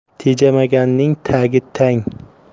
tejamaganning tagi tang